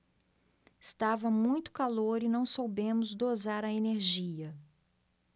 estava muito calor e não soubemos dosar a energia